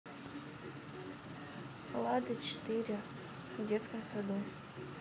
лада четыре в детском саду